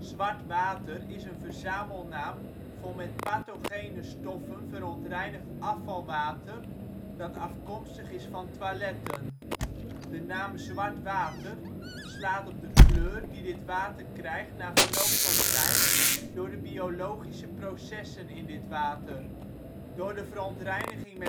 Zwart water is een verzamelnaam voor met pathogene stoffen verontreinigd afvalwater dat afkomstig is van toiletten. De naam " zwart water " slaat op de kleur die dit water krijgt na verloop van tijd door de biologische processen in dit water. Door de verontreiniging